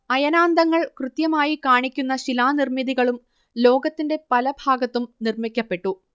അയനാന്തങ്ങൾ കൃത്യമായി കാണിക്കുന്ന ശിലാനിർമ്മിതികളും ലോകത്തിന്റെ പലഭാഗത്തും നിർമ്മിക്കപ്പെട്ടു